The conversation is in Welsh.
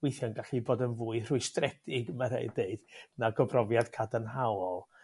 weithie'n gallu bod yn fwy rhwystredig ma' rhaid deud nag o brofiad cadarnhaol.